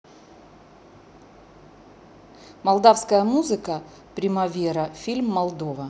молдавская музыка примавера фильм молдова